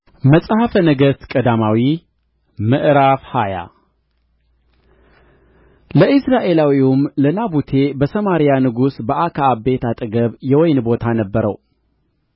መጽሐፈ ነገሥት ቀዳማዊ ምዕራፍ ሃያ ለኢይዝራኤላዊውም ለናቡቴ በሰማርያ ንጉሥ በአክዓብ ቤት አጠገብ የወይን ቦታ ነበረው